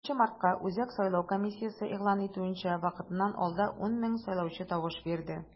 5 мартка, үзәк сайлау комиссиясе игълан итүенчә, вакытыннан алда 10 мең сайлаучы тавыш бирде.